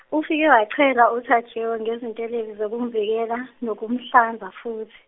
ufike wachela uTajewo ngezintelezi zokumvikela, nokumhlanza futhi.